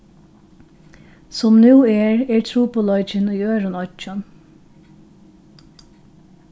sum nú er er trupulleikin í øðrum oyggjum